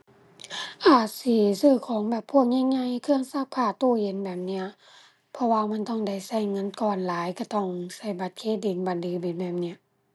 อาจสิซื้อของแบบพวกใหญ่ใหญ่ เครื่องซักผ้า ตู้เย็นแบบเนี้ย เพราะว่ามันต้องได้ใช้เงินก้อนหลาย ใช้ต้องใช้บัตรเครดิต บัตรเดบิตแบบเนี้ย